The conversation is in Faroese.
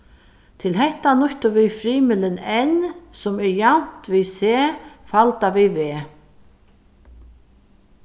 til hetta nýttu vit frymilin n sum er javnt við c faldað við v